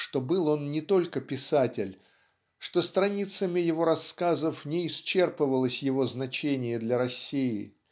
что был он не только писатель что страницами его рассказов не исчерпывалось его значение для России